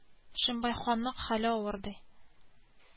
Уеннар үзебезнең илдә үтә.